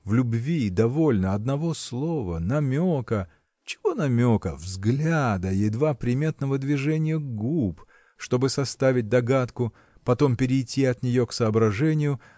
В любви довольно одного слова, намека. чего намека! взгляда едва приметного движения губ чтобы составить догадку потом перейти от нее к соображению